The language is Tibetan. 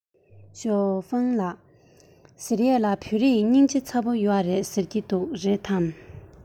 ཞའོ ཧྥུང ལགས ཟེར ཡས ལ བོད རིགས སྙིང རྗེ ཚ པོ ཡོད རེད ཟེར གྱིས རེད པས